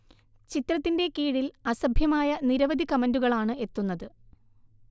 ചിത്രത്തിന്റെ കീഴിൽ അസഭ്യമായ നിരവധി കമന്റുകളാണ് എ്ത്തുന്നത്